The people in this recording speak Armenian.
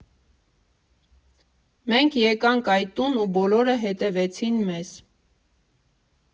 Մենք եկանք այդ տուն ու բոլորը հետևեցին մեզ։